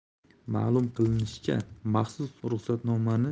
ma'lum qilinishicha maxsus ruxsatnomani